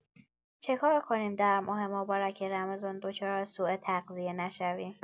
چه کار کنیم در ماه مبارک رمضان دچار سوء‌تغذیه نشویم؟